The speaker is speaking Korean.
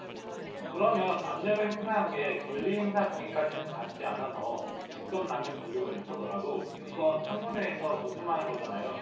그러면 압력을 행사한 게 권리행사 방해까지는 가지 않아서 직권남용 적용을 못하더라도 그건 청문회에서 거짓말한 거잖아요